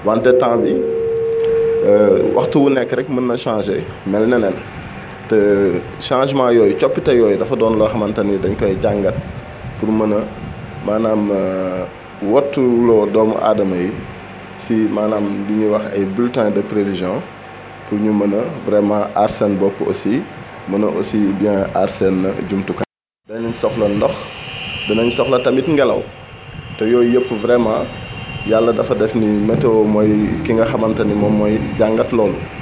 wante temps bi waxtu wu nekk rek mën na changé mel neneen te changements yooyu coppite yooyu dafa doon loo xamante ni dañu koy jàngat pour mën a maanaam wattuloo doomu aadama yi si li ñuy wax maanaam ay buletin de prévision pour ñu mën a vraiment aar seen bopp aussi mën a aussi bien aar seen jumtukaay dinaén soxla ndox dinañ soxla tamit ngelaw te yooyu yëpp vraiment yàlla dafa def ni météo mooy ki nga xamante ni moom mooy jàngay loolu